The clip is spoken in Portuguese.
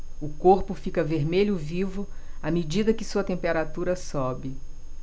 o corpo fica vermelho vivo à medida que sua temperatura sobe